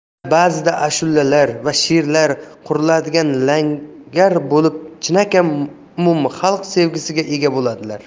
ular ba'zida ashulalar va she'rlar quriladigan langar bo'lib chinakam umumxalq sevgisiga ega bo'ladilar